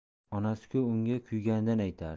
onasi ku unga kuyganidan aytardi